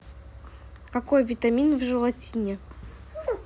какой витамин в желатине